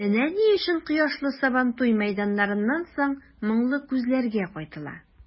Менә ни өчен кояшлы Сабантуй мәйданнарыннан соң моңлы күзләргә кайтыла.